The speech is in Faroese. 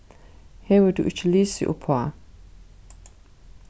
hevur tú ikki lisið uppá